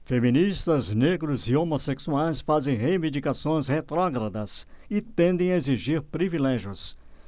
feministas negros e homossexuais fazem reivindicações retrógradas e tendem a exigir privilégios